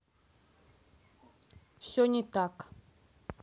все не так